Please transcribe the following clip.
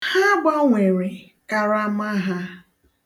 Ha gbanwere karama ha.